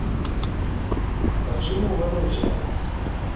почему вонючая